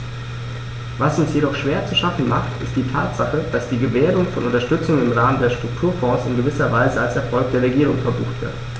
Was uns jedoch schwer zu schaffen macht, ist die Tatsache, dass die Gewährung von Unterstützung im Rahmen der Strukturfonds in gewisser Weise als Erfolg der Regierung verbucht wird.